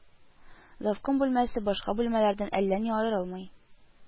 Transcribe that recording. Завком бүлмәсе башка бүлмәләрдән әллә ни аерылмый